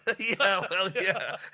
Ia wel ia.